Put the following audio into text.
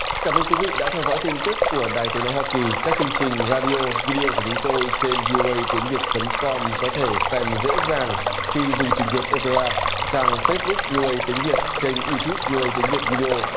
cảm ơn quý vị đã theo dõi tin tức của đài tiếng nói hoa kỳ các chương trình ra đi ô vi đi ô của chúng tôi trên vi ô ây tiếng việt chấm com có thể xem dễ dàng khi dùng trình duyệt ô pê ra trang phết búc vi ô ây tiếng việt kênh iu túp vê ô ây tiếng việt vi đi ô